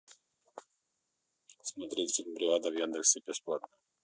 смотреть фильм бригада в яндексе бесплатно